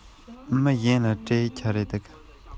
ང ཡང སྐད ཆ མེད པར